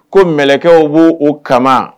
Ko mkɛw b'u u kama